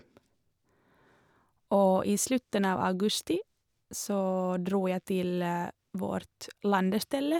Og i slutten av august så dro jeg til vårt landeställe.